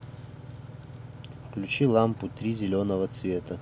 включи лампу три зеленого цвета